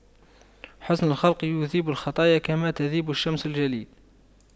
حُسْنُ الخلق يذيب الخطايا كما تذيب الشمس الجليد